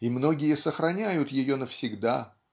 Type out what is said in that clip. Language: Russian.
и многие сохраняют ее навсегда